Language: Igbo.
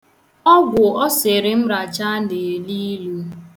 Ọgwụ ọ sịrị m rachaa na-elu ilu.